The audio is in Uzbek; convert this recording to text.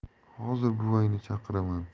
hozir buvangni chaqiraman